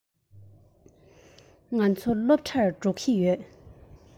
ང ཚོ སློབ གྲྭར འགྲོ གི ཡིན